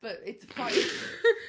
but it's five...